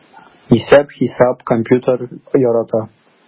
Исәп-хисап, компьютер ярата...